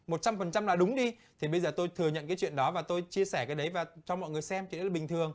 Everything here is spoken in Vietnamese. một trăm phần trăm là đúng đi thì bây giờ tôi thừa nhận cái chuyện đó và tôi chia sẻ cái đấy và cho mọi người xem thì đấy là bình thường